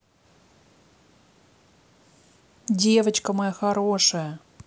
девочка моя хорошая